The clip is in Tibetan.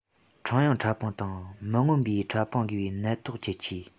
ཕྲེང དབྱིངས ཕྲ ཕུང དང མི མངོན པའི ཕྲ ཕུང འགོས པའི ནད ཐོག ཁྱད ཆོས